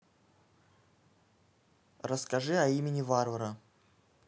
расскажи о имени варвара